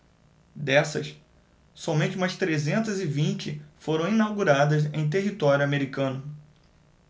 dessas somente umas trezentas e vinte foram inauguradas em território americano